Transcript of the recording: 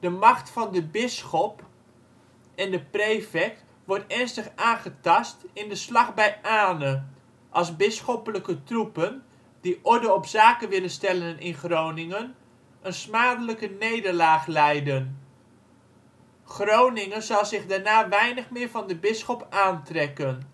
macht van de bisschop, en de prefect, wordt ernstig aangetast in de slag bij Ane als bisschoppelijke troepen die orde op zaken willen stellen in Groningen, een smadelijke nederlaag lijden. Groningen zal zich daarna weinig meer van de bisschop aantrekken